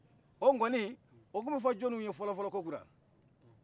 o ŋɔni o tun bɛ fɔ jɔn ye fɔlɔfɔlɔ ko kura